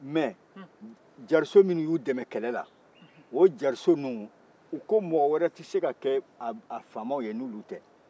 mɛ jariso minnu y'u dɛmɛ kɛlɛla o jariso ninnu u ko mɔgɔ wɛrɛ tɛ se ka a faamaw ye n'olu tɛ